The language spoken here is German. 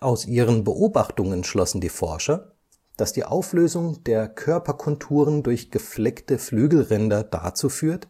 Aus ihren Beobachtungen schlossen die Forscher, dass die Auflösung der Körperkonturen durch gefleckte Flügelränder dazu führt,